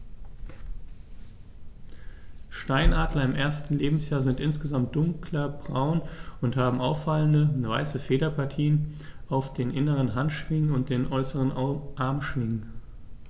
Steinadler im ersten Lebensjahr sind insgesamt dunkler braun und haben auffallende, weiße Federpartien auf den inneren Handschwingen und den äußeren Armschwingen.